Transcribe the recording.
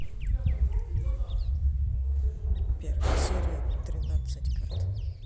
первая серия тринадцать карт